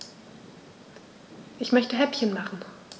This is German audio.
Ich möchte Häppchen machen.